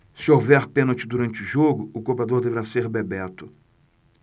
se houver pênalti durante o jogo o cobrador deverá ser bebeto